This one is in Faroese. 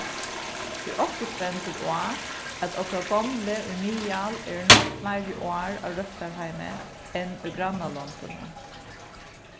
tí okkurt bendir á at okkara gomlu í miðal eru nógv fleiri ár á røktarheimi enn í grannalondunum